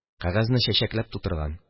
Кәгазьне чәчәкләп тутырган.